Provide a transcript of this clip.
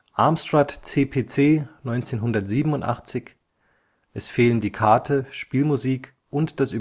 Amstrad CPC (1987, portiert von Probe. Es fehlen die Karte, Spielmusik und das